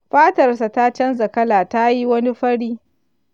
fatarsa ta canza kala tayi wani fari.